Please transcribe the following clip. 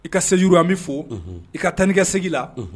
I ka seginyidu an bɛ fo i ka tan seg la